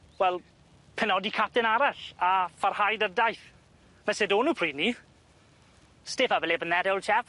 Wel, penodi capten arall, a pharhau 'da'r daith, 'ny sud o'n nw pryd 'ny. Stiff upper lip an' that ol' chap.